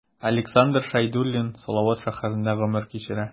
Александр Шәйдуллин Салават шәһәрендә гомер кичерә.